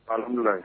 Auna